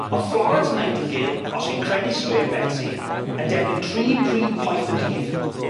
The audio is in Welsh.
O'dd Florence Nightingale, os chi'n credu straeon Betsi, yn derbyn tri pryd poeth y dydd.